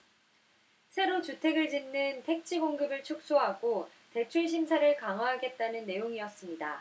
새로 주택을 짓는 택지공급을 축소하고 대출 심사를 강화하겠다는 내용이었습니다